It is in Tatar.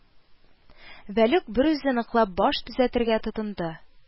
Вәлүк берүзе ныклап баш төзәтергә тотынды